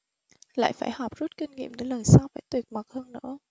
lại phải họp rút kinh nghiệm để lần sau phải tuyệt mật hơn nữa